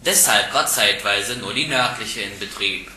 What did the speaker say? deshalb war zeitweise nur die nördliche in Betrieb